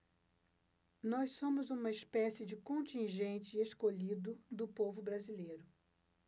nós somos uma espécie de contingente escolhido do povo brasileiro